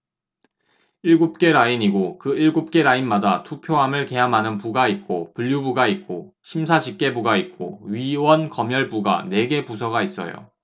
일곱 개 라인이고 그 일곱 개 라인마다 투표함을 개함하는 부가 있고 분류부가 있고 심사집계부가 있고 위원검열부가 네 개 부서가 있어요